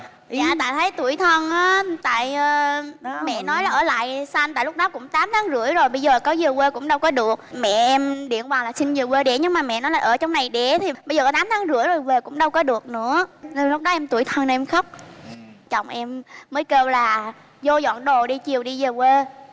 dạ tại thấy tủi thân á tại mẹ nói ở lại sanh tại lúc đó cũng tám năm rưỡi rồi bây giờ có về quê cũng đâu có được mẹ em điện vào là xin về quê đẻ nhưng mà mẹ nói là ở trong này đẻ thì bây giờ tám tháng rưỡi rồi về cũng đâu có được nữa nên lúc đó em tủi thân nên em khóc chồng em mới kêu là vô dọn đồ đi chiều đi về quê